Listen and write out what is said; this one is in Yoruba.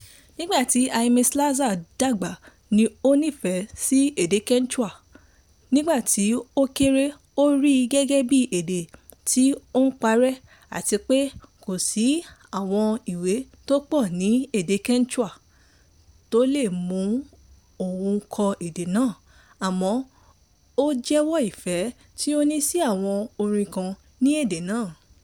Ìgbà tí Jaime Salazar dàgbà ni ó tó nífẹ̀ẹ́ sí èdè Quechua: nígbà tí ó kéré, ó ríi gẹ́gẹ́ bí èdè tí ó ti ń parẹ́ àti pé kò sí àwọn ìwé tó pọ̀ ní èdè Quechua tó lè mú òun kò èdè náà, àmọ́ ó jẹ́wọ́ ìfẹ́ tó ní sí àwọn orin kàn ní èdè náà.